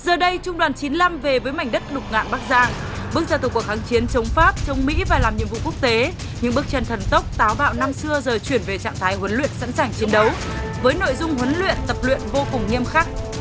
giờ đây trung đoàn chín lăm về với mảnh đất lục ngạn bắc giang bước ra từ cuộc kháng chiến chống pháp chống mỹ và làm nhiệm vụ quốc tế những bước chân thần tốc táo bạo năm xưa giờ chuyển về trạng thái huấn luyện sẵn sàng chiến đấu với nội dung huấn luyện tập luyện vô cùng nghiêm khắc